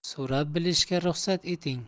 so'rab bilishga ruxsat eting